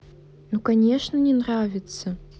ну конечно не нравится